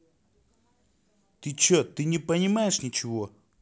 ты че ты не понимаешь ничего